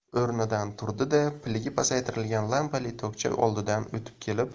o'rnidan turdi da piligi pasaytirilgan lampali tokcha oldidan o'tib kelib